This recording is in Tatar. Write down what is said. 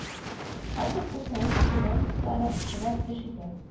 Хәзер ул совет червонецлары белән эш итә